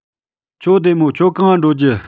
ཁྱོད བདེ མོ ཁྱོད གང ལ འགྲོ རྒྱུ